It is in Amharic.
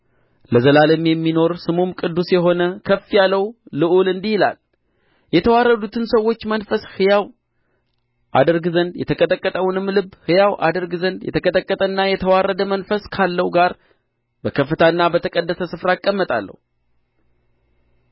ለዘላለም የሚኖር ስሙም ቅዱስ የሆነ ከፍ ያለው ልዑል እንዲህ ይላል የተዋረዱትን ሰዎች መንፈስ ሕያው አደርግ ዘንድ የተቀጠቀጠውንም ልብ ሕያው አደርግ ዘንድ የተቀጠቀጠና የተዋረደ መንፈስ ካለው ጋር በከፍታና በተቀደሰ ስፍራ እቀመጣለሁ